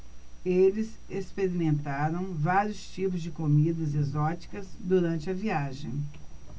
eles experimentaram vários tipos de comidas exóticas durante a viagem